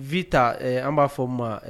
Vi ta an b'a fɔ n ma